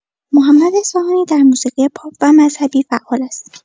محمد اصفهانی در موسیقی پاپ و مذهبی فعال است.